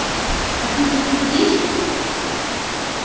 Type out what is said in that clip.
а ты не пиздишь